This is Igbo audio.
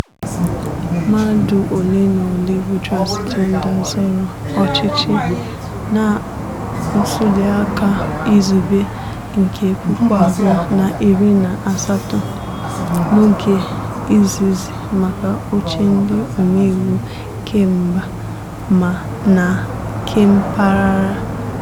Mmadụ ole na ole bụ Transịjenda zọrọ ọchịchị na Ntụliaka Izugbe nke 2018 n'oge izizi maka oche Ndị Omeiwu Kemba na Kempaghara.